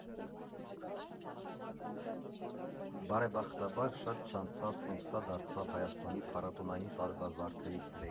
Բարեբախտաբար, շատ չանցած հենց սա դարձավ Հայաստանի փառատոնային տարվա զարդերից մեկը։